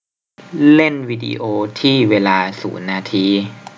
เล่นวีดีโอที่เวลาศูนย์นาที